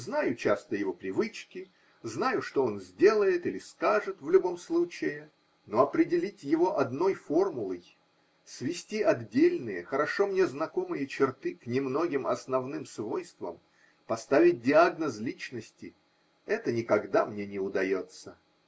Знаю часто его привычки, знаю, что он сделает или скажет в любом случае, но определить его одной формулой, свести отдельные, хорошо мне знакомые черты к немногим основным свойствам, поставить диагноз личности -- это никогда мне не удается.